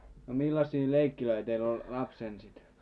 no millaisia leikkejä teillä oli lapsena sitten